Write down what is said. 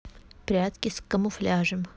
прятки с камуфляжем